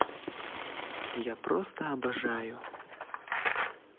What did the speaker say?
я просто обожаю